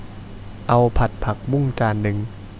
เอาผัดผักบุ้งจานหนึ่ง